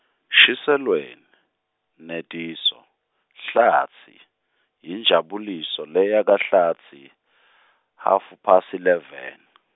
Shiselweni, Nediso, Hlatsi yiNjabuliso leya kaHlatsi , hhafuphasi leveni.